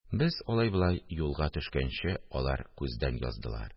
Без алай-болай юлга төшкәнче, алар күздән яздылар